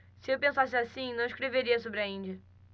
se eu pensasse assim não escreveria sobre a índia